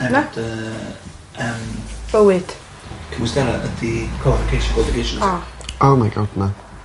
Na? Yn dy yym... Bywyd? ...cymwystera ydi qualifications qualifications. O. Oh my God* na.